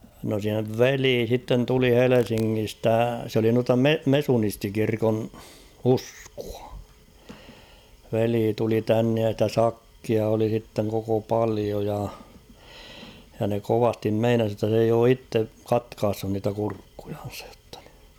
no sen veli sitten tuli Helsingistä se oli noita - mesunistikirkon uskoa veli tuli tänne ja sitä sakkia oli sitten koko paljon ja ja ne kovasti meinasi jotta se ei ole itse katkaissut niitä kurkkujansa jotta niin